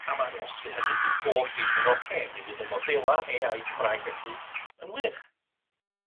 A ma' o, by' hynny, fydd bob dim yn ocê, mi fydd y modela' Ay I Cymraeg felly yn wych.